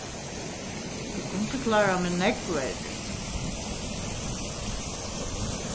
eg kundi klárað meg nógv verri